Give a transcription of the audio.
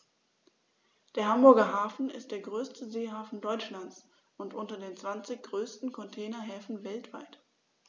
Der Hamburger Hafen ist der größte Seehafen Deutschlands und unter den zwanzig größten Containerhäfen weltweit.